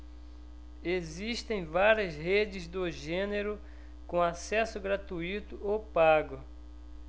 existem várias redes do gênero com acesso gratuito ou pago